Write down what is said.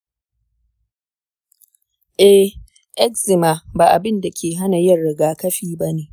ee, eczema ba abin da ke hana yin rigakafi ba ne.